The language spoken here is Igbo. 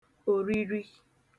òriri